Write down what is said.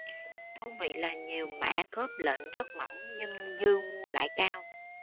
thú vị là nhiều mã khớp lệnh rất mỏng nhưng dư mua lại cao